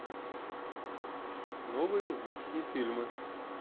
новые узбекские фильмы